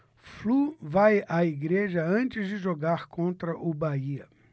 flu vai à igreja antes de jogar contra o bahia